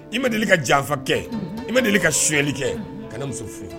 I ma deli ka janfa kɛ, i ma deli ka sonyali kɛ , kana muso furu.